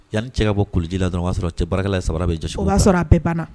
Yanani cɛ ka bɔ kuluji la o'a sɔrɔ cɛ barika ye saba bɛ o b'a sɔrɔ a bɛɛ banna